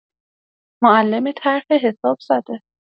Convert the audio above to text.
معلمت حرف حساب زده.